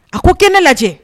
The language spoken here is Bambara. A ko kɛnɛ lajɛ